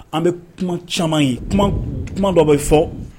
An bɛ kuma caman ye kuma dɔ bɛ yen fɔ